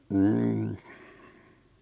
mm